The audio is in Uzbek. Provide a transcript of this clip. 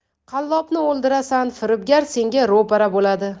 qallobni o'ldirasan firibgar senga ro'para bo'ladi